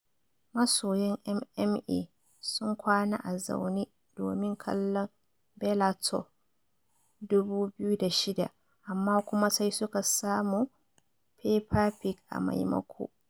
Masoyan MMA sun kwana a zaune domin kallon Bellator 206, amma kuma sai suka samu Peppa Pig a maimako